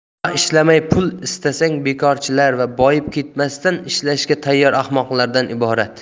dunyo ishlamay pul istagan bekorchilar va boyib ketmasdan ishlashga tayyor ahmoqlardan iborat